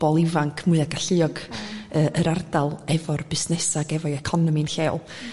pobol ifanc mwya galluog y... yr ardal efo'r busnesa ag efo'i economi'n lleol